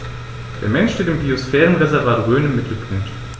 Der Mensch steht im Biosphärenreservat Rhön im Mittelpunkt.